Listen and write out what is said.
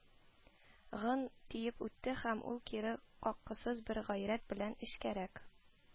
Гың тиеп үтте, һәм ул кире каккысыз бер гайрәт белән эчкәрәк